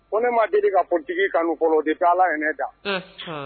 Ko ne ma deli ka ftigi kanufɔlɔ di da la ɲɛna ne da